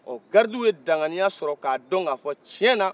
garidiw ye danganiya sɔrɔ ka dɔn ka fɔ tiɲɛ na